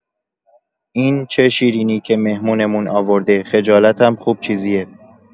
این چه شیرینی که مهمونمون آورده، خجالتم خوب چیزیه!